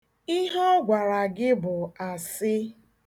Ihe ọ gwara gị bụ asị.